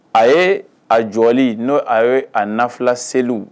A ye a jɔ n'o a a naula seli